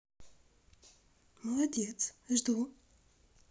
молодец жду